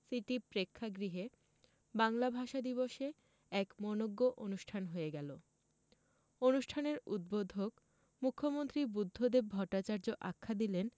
city প্রেক্ষাগৃহে বাংলা ভাষা দিবসে এক মনোজ্ঞ অনুষ্ঠান হয়ে গেল অনুষ্ঠানের উদ্বোধক মুখ্যমন্ত্রী বুদ্ধদেব ভট্টাচার্য আখ্যা দিলেন